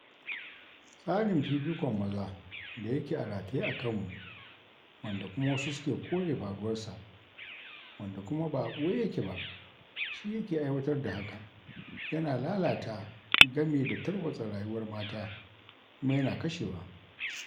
Tsarin fifikon maza da yake a rataye a kanmu wanda kuma wasu suke kore faruwarsa - wanda kuma ba a ɓoye yake ba - shi yake aiwatar da haka: yana lalata gami da tarwatsa rayuwar mata kuma yana KASHEWA!